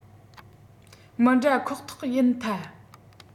མི འདྲ ཁོག ཐག ཡིན ཐ